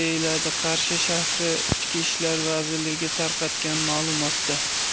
deyiladi qarshi shahar ichki ishlar vazirligi tarqatgan ma'lumotda